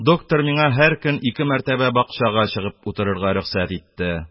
Доктор миңа һәр көн ике мәртәбә бакчага чыгып утырырга рөхсәт итте